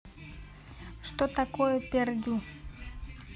что такое пердю